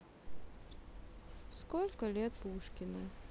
сколько лет пушкину